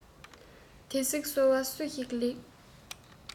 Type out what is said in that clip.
དེ བསྲེགས སོལ བ སུ ཞིག ལེན